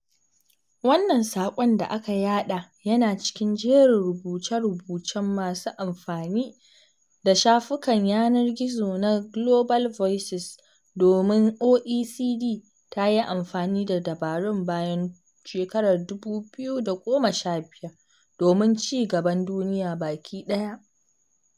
Wannan saƙon da aka yaɗa yana cikin jerin rubuce-rubucen masu amfani da shafukan yanar gizona Global Voices domin OECD ta yi amfani da dabarun bayan 2015 domin ci gaban duniya baki ɗaya.